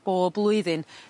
bob blwyddyn